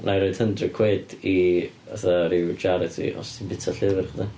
Wna i roid hundred quid i fatha ryw charity os ti'n bwyta llyfr chdi.